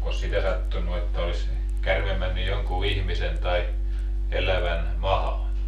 onkos sitä sattunut että olisi käärme mennyt jonkun ihmisen tai elävän mahaan